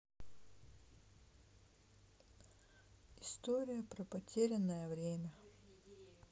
история про потерянное время